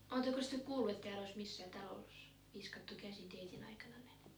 olettekos te kuullut että täällä olisi missään talossa viskattu käsin teidän aikananne